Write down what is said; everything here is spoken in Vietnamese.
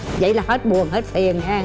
vậy là hết buồn hết phiền ha